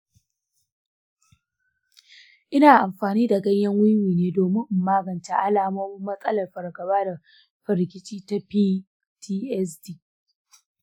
ina amfani da ganyen wiwi ne domin in magance alamomin matsalar fargaba da firgici ta ptsd.